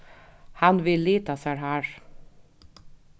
hann vil lita sær hárið